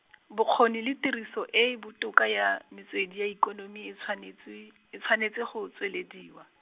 bokgoni le tiriso e e botoka ya, metswedi ya ikonomi e tshwanetse, e tshwanetse go tswelediwa.